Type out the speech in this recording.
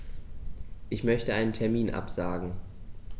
Ich möchte einen Termin absagen.